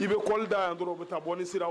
I bɛ kɔli da yan dɔrɔn o bɛ taa bɔ ni sira wa